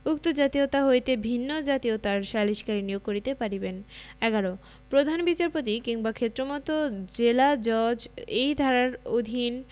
উক্ত জাতয়িতা হইতে ভিন্ন জাতীয়তার সালিসকারী নিয়োগ করিতে পারিবেন ১১ প্রধান বিচারপতি কিংবা ক্ষেত্রমত জেলাজজ এই ধারার অধীন